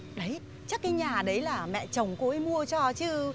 đấy chắc cái nhà đấy là mẹ chồng cô ấy mua cho chứ